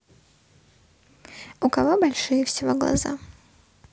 у кого большие всего глаза